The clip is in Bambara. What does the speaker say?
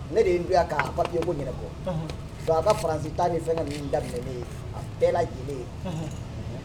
Ne de dona bapiye ko ɲɛna bɔ a ka faransi tan min fɛn ka nin daminɛen ye a bɛɛ lajɛlenlen ye